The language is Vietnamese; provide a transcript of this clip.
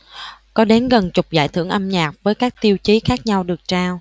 có đến gần chục giải thưởng âm nhạc với các tiêu chí khác nhau được trao